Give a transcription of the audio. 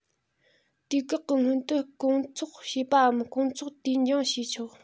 དུས བཀག གི སྔོན དུ སྐོང འཚོགས བྱས པའམ སྐོང འཚོགས དུས འགྱངས བྱས ཆོག